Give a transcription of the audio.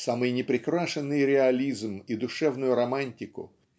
самый неприкрашенный реализм и душевную романтику